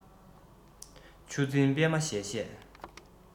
ཆུ འཛིན པད མ བཞད བཞད